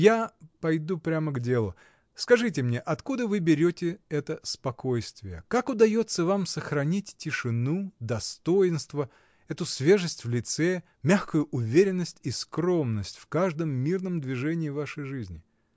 — Я пойду прямо к делу: скажите мне, откуда вы берете это спокойствие, как удается вам сохранять тишину, достоинство, эту свежесть в лице, мягкую уверенность и скромность в каждом мерном движении вашей жизни?